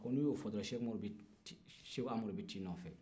ni y'o fɔ dɔrɔn seko amadu bɛ t'i nɔ fɛ